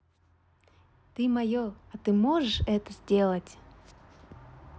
ты мое а ты можешь это сделать